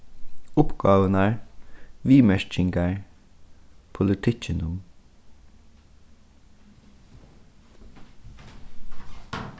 uppgávurnar viðmerkingar politikkinum